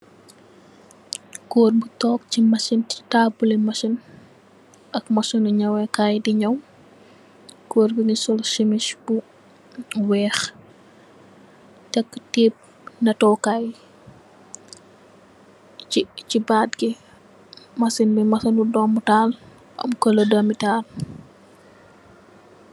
Goor bu tok ci tabul li machine, ak machine ni nyow weekaay di nyow. Goor bi mungi sup simish bu weex, takka teep natukay ci baat gi. Machine bi machine ni domitaal la am colour domitaal.